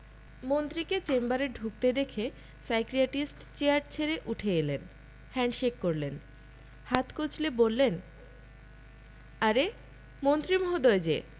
মন্ত্রীকে চেম্বারে ঢুকতে দেখে সাইকিয়াট্রিস্ট চেয়ার ছেড়ে উঠে এলেন হ্যান্ডশেক করলেন হাত কচলে বললেন আরে মন্ত্রী মহোদয় যে